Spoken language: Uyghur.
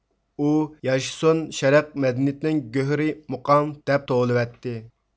ئۇ ياشىسۇن شەرق مەدەنىيىتىنىڭ گۆھىرى مۇقام دەپ توۋلىۋەتتى